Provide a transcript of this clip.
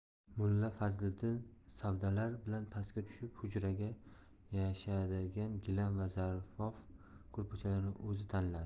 mulla fazliddin savdarlar bilan pastga tushib hujraga yarashadigan gilam va zarbof ko'rpachalarni o'zi tanladi